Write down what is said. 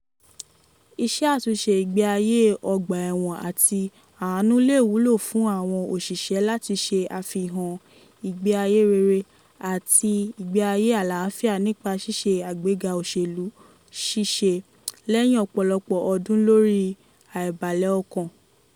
Ìṣe àtúnṣe ìgbé ayé ọgbà ẹ̀wọ̀n àti àánú le wúlò fún àwọn òṣìṣẹ́ láti ṣe àfihàn ìgbé ayé rere, àti ìgbé ayé àlàáfíà nípa ṣíṣe àgbéga òṣèlú ṣíṣe, lẹ́yìn ọ̀pọ̀lọpọ̀ ọdún lórí àìbalẹ̀ọkàn.